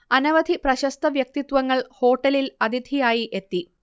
അനവധി പ്രശസ്ത വ്യക്തിത്വങ്ങൾ ഹോട്ടലിൽ അതിഥിയായി എത്തി